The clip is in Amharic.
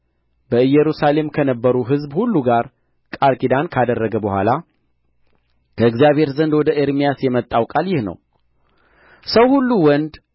በኢየሩሳሌም ከነበሩ ሕዝብ ሁሉ ጋር ቃል ኪዳን ካደረገ በኋላ ከእግዚአብሔር ዘንድ ወደ ኤርምያስ የመጣው ቃል ይህ ነው ሰው ሁሉ ወንድ